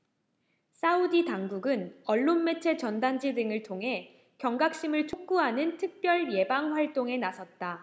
사우디 당국은 언론매체 전단지 등을 통해 경각심을 촉구하는 특별 예방 활동에 나섰다